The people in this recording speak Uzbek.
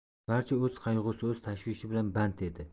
barcha o'z qayg'usi o'z tashvishi bilan band edi